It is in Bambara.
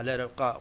Ale yɛrɛ